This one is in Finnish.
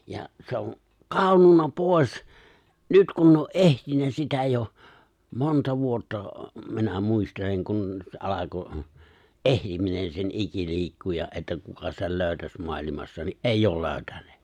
ja se on kadonnut pois nyt kun ne on etsinyt sitä jo monta vuotta minä muistelen kun se alkoi etsiminen sen ikiliikkujan että kuka sen löytäisi maailmassa niin ei ole löytäneet